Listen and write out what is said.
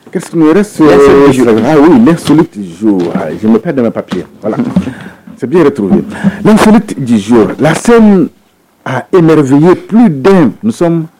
Zo dɛmɛ papi sabuzo lase emerez ye